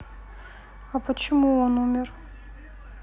а почему он умер